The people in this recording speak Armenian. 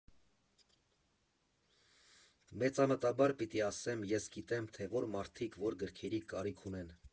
Մեծամտաբար պիտի ասեմ՝ ես գիտեմ, թե ո՛ր մարդիկ ո՛ր գրքերի կարիք ունեն։